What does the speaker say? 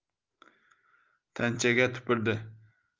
tanchaga tupurdi